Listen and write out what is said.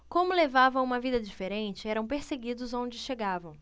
como levavam uma vida diferente eram perseguidos onde chegavam